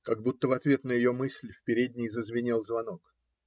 Как будто в ответ на ее мысль, в передней зазвенел звонок.